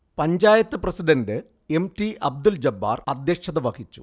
Panchayat president M. T. Abdul Jabbar അധ്യക്ഷത വഹിച്ചു